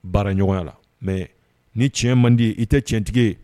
Baara ɲɔgɔn mɛ ni tiɲɛ man di i tɛ tiɲɛtigi ye